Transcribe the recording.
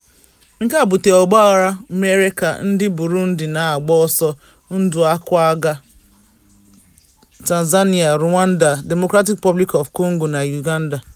Nke a butere ọgbaaghara mere ka ndị Burundi na-agba ọsọ ndụ akwaga Tanzania, Rwanda, Democratic Republic of Congo (DRC) na Uganda.